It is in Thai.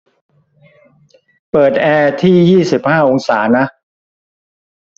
เปิดแอร์ที่ยี่สิบห้าองศานะ